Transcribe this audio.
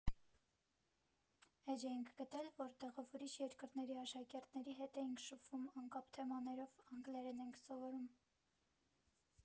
Էջ էինք գտել, որտեղով ուրիշ երկրների աշակերտների հետ էինք շփվում անկապ թեմաներով, անգլերեն էինք սովորում։